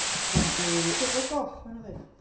Hwn 'di... Steddfod goll maen nhw'n ddweud.